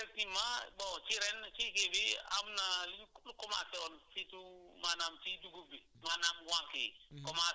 waa efrfectivement bon ci ren ci kii bi am na li ñu ku mu commencer woon surtout maanaam si dugub bi maanaam wànq yi